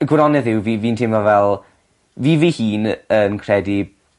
y gwirionedd yw fi fi'n teimlo fel fi fy hun yn credu